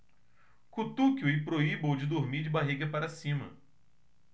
cutuque-o e proíba-o de dormir de barriga para cima